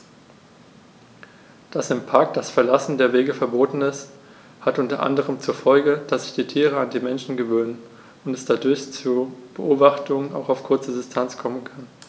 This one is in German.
Dass im Park das Verlassen der Wege verboten ist, hat unter anderem zur Folge, dass sich die Tiere an die Menschen gewöhnen und es dadurch zu Beobachtungen auch auf kurze Distanz kommen kann.